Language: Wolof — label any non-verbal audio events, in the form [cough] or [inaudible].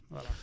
[breath] voilà